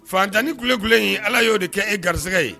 Fantanni kule kule in Ala y'o de kɛ e gɛrisigɛ ye.